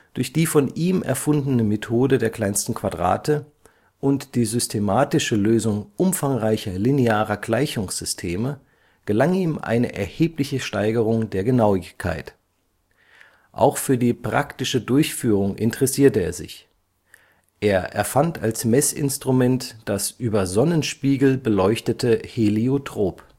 Durch die von ihm erfundene Methode der kleinsten Quadrate und die systematische Lösung umfangreicher linearer Gleichungssysteme (gaußsches Eliminationsverfahren) gelang ihm eine erhebliche Steigerung der Genauigkeit. Auch für die praktische Durchführung interessierte er sich: Er erfand als Messinstrument das über Sonnenspiegel beleuchtete Heliotrop